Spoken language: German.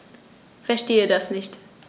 Verstehe das nicht.